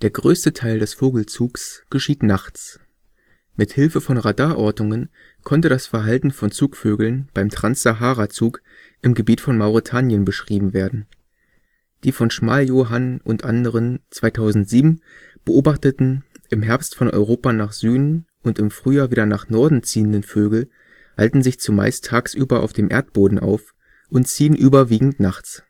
größte Teil des Vogelzugs geschieht nachts. Mit Hilfe von Radar-Ortungen konnte das Verhalten von Zugvögeln beim Trans-Sahara-Zug im Gebiet von Mauretanien beschrieben werden. Die von Schmaljohann et al. (2007) beobachteten, im Herbst von Europa nach Süden und im Frühjahr wieder nach Norden ziehenden Vögel halten sich zumeist tagsüber auf dem Erdboden auf und ziehen überwiegend nachts